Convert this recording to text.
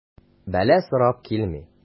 Бәла сорап килми.